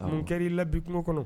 A kɛri la bi kunko kɔnɔ?